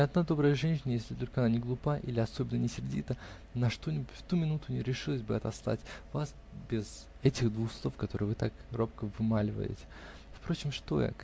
Ни одна добрая женщина, если только она не глупа или особенно не сердита на что-нибудь в ту минуту, не решилась бы отослать вас без этих двух слов, которых вы так робко вымаливаете. Впрочем, что я!